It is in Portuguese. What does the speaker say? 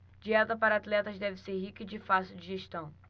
dieta para atletas deve ser rica e de fácil digestão